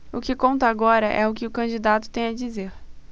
o que conta agora é o que o candidato tem a dizer